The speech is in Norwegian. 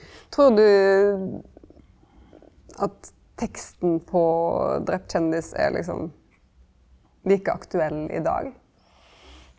trur du at teksten på Drept kjendis er liksom like aktuell i dag?